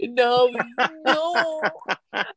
No, no!